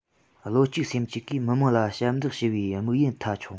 བློ གཅིག སེམས གཅིག གིས མི དམངས ལ ཞབས འདེགས ཞུ བའི དམིགས ཡུལ མཐའ འཁྱོངས